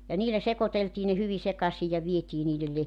ja niillä sekoiteltiin ne hyvin sekaisin ja vietiin niille -